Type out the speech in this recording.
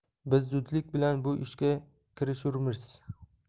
biz zudlik bilan bu ishga kirishurmiz